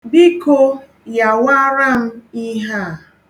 Biko, yawara m ihe a.